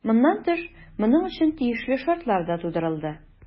Моннан тыш, моның өчен тиешле шартлар да тудырылды.